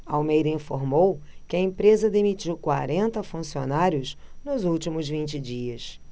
almeida informou que a empresa demitiu quarenta funcionários nos últimos vinte dias